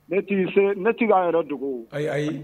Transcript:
b'a yɛrɛ dogo. Ayi Ayi!